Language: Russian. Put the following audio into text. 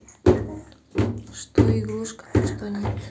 что игрушка а что нет